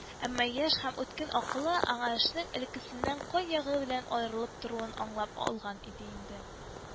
Әмма яшь һәм үткен акылы яңа эшнең элеккесеннән кай ягы белән аерылып торуын аңлап алган иде инде